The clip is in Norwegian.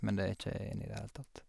Men det er ikke jeg enig i i det hele tatt.